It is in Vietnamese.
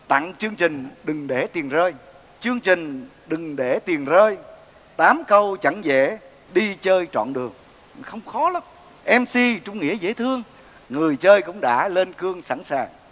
tặng chương trình đừng để tiền rơi chương trình đừng để tiền rơi tám câu chẳng dễ đi chơi trọn đường không khó lắm em xi trung nghĩa dễ thương người chơi cũng đã lên cương sẵn sàng